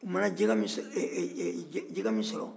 u mana jɛgɛ min sɔrɔ